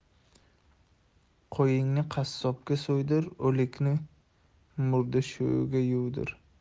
qo'yingni qassobga so'ydir o'likni murdasho'ga yuvdir